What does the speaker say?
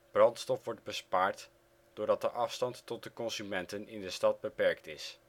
Brandstof wordt bespaard doordat de afstand tot de consumenten in de stad beperkt is